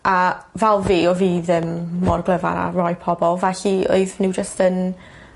A fel fi o' fi ddim mor glefer â rai pobol felly oedd n'w jyst yn